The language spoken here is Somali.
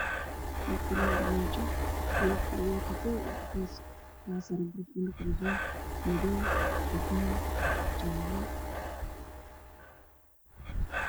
Meeshaan waxaa ka muuqdo rofuno fara badan oo kala saaran qaanado kala duwan qaana dulmiinta kasii koreyso waxaa saaran rofno kala duwan